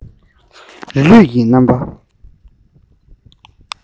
རྗེས ལུས ཀྱི རྣམ པ